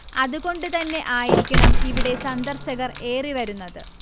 അത് കൊണ്ട് തന്നെആയിരിക്കണം ഇവിടെ സന്ദർശകർ ഏറിവരുന്നത്